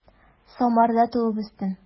Самарда туып үстем.